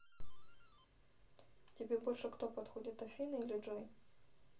тебе кто больше подходит афина или джой